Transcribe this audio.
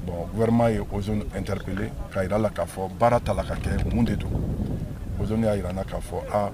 Bon wɛrɛma ye n teriri kelen ka jira la k kaa fɔ baara ta la ka kɛ mun de donzɔn y'a jira kaa fɔ aa